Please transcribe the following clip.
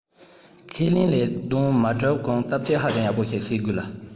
ཁས ལེན ལས དོན མ བསྒྲུབས གོང བརྟག དཔྱད ཧ ཅང ཡག པོ ཞིག བྱེད དགོས ལ